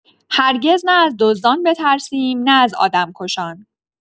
هرگز نه از دزدان بترسیم، نه از آدمکشان.